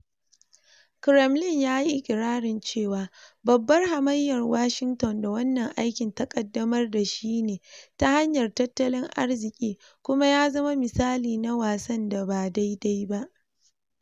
Kremlin ya yi ikirarin cewa babbar hamayya Washington da wannan aikin ta kaddamar da shi ne ta hanyar tattalin arziki kuma ya zama misali na wasan da ba daidai ba.